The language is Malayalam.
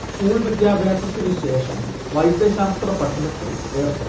സ്കൂൾ വിദ്യാഭ്യാസത്തിനുശേഷം വൈദ്യശാസ്ത്ര പഠനത്തിൽ ഏർപ്പെട്ടു